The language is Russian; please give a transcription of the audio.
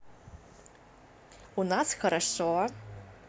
у нас хорошо